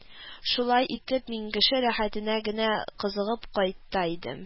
Шулай итеп, мин кеше рәхәтенә генә кызыгып кайта идем